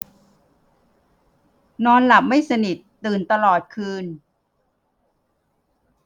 นอนหลับไม่สนิทตื่นตลอดคืน